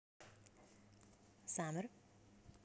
summer